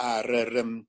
ar yr yym